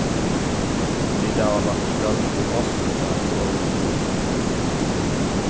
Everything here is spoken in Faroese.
vit hava lagt gólv í mostursa stovu